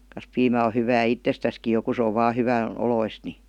kas piimä on hyvää itsestäänkin jo kun se on vain hyvän oloista niin